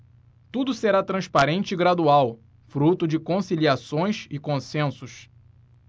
tudo será transparente e gradual fruto de conciliações e consensos